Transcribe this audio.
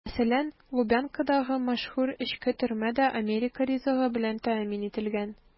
Мәсәлән, Лубянкадагы мәшһүр эчке төрмә дә америка ризыгы белән тәэмин ителгән.